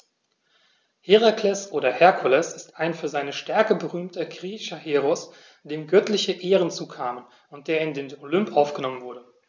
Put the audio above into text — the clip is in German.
Herakles oder Herkules ist ein für seine Stärke berühmter griechischer Heros, dem göttliche Ehren zukamen und der in den Olymp aufgenommen wurde.